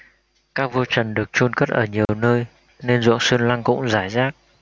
các vua trần được chôn cất ở nhiều nơi nên ruộng sơn lăng cũng rải rác